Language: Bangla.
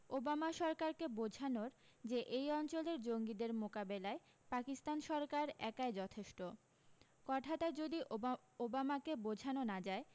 ওবামা সরকারকে বোঝানোর যে এই অঞ্চলের জঙ্গিদের মোকাবিলায় পাকিস্তান সরকার একাই যথেষ্ট কথাটা যদি ওবা ওবামাকে বোঝানো না যায়